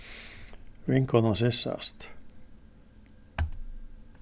vinkonan sissast